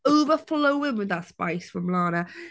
Overflowing with that spice from Lana.